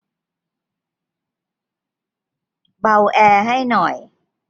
เบาแอร์ให้หน่อย